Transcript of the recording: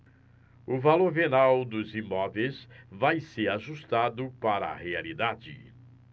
o valor venal dos imóveis vai ser ajustado para a realidade